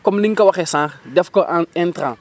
comme ni nga ko waxee sànq def ko intrant